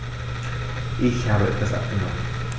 Ich habe etwas abgenommen.